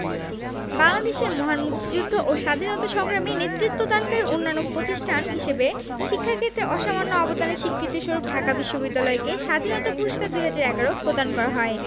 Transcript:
বাংলাদেশের মহান মুক্তিযুদ্ধ ও স্বাধীনতা সংগ্রামে নেতৃত্বদানকারী অনন্য প্রতিষ্ঠান হিসেবে শিক্ষা ক্ষেত্রে অসামান্য অবদানের স্বীকৃতিস্বরূপ ঢাকা বিশ্ববিদ্যালয়কে স্বাধীনতা পুরস্কার ২০১১ প্রদান করা হয়